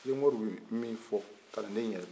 n'a fɔ ye cogo o cogo